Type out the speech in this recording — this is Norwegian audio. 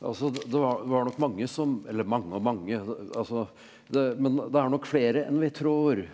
altså det det var var nok mange som eller mange og mange altså det men det er nok flere enn vi tror.